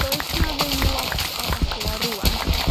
does 'na ddim lot o ogla' rŵan.